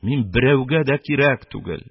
Мин берәүгә дә кирәк түгел,